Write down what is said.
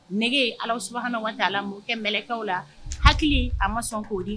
Nɛgɛge ye ala su ka''kɛ mlɛkaw la hakili a ma sɔn koo di